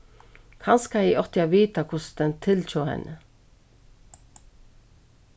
kanska eg átti at vitað hvussu stendur til hjá henni